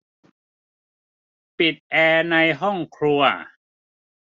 ปิดแอร์ในห้องครัว